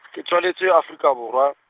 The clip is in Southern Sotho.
ke tswaletswe Afrika Borwa.